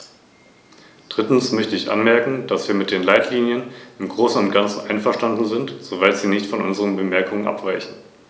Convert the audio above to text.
Die Umsetzung ist gegenwärtig insbesondere in kleinen Betrieben mit Schwierigkeiten verbunden, denn sie können sich eine solche Stelle nicht leisten.